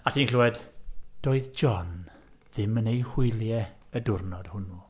a ti'n clywed, "Doedd John ddim yn ei hwyliau y diwrnod hwnnw".